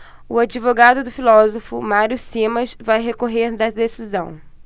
o advogado do filósofo mário simas vai recorrer da decisão